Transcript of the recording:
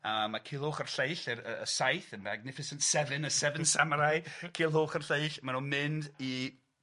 A ma' Culhwch a'r lleill, yr yy y saith, the magnificent seven, the seven samurai Culhwch a'r lleill, ma' nw'n mynd i